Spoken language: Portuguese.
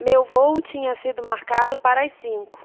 meu vôo tinha sido marcado para as cinco